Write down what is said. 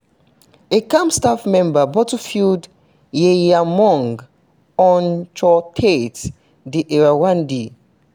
A camp staff member bottle-feeds Ayeyar Maung. / Aung Kyaw Htet / The Irrawaddy